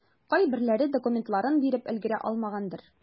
Кайберләре документларын биреп өлгерә алмагандыр.